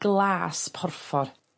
glas porffor.